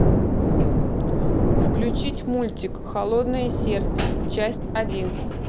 включить мультик холодное сердце часть один